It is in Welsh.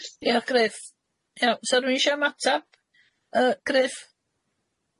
Diolch Gruff. Ia so rywun isio ymatab yy Gruff?